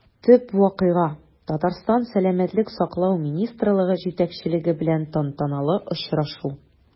Төп вакыйга – Татарстан сәламәтлек саклау министрлыгы җитәкчелеге белән тантаналы очрашу.